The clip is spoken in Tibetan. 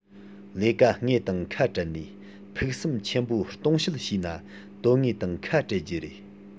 ལས ཀ དངོས དང ཁ བྲལ ནས ཕུགས བསམ ཆེན པོ སྟོང བཤད བྱས ན དོན དངོས དང ཁ བྲལ རྒྱུ རེད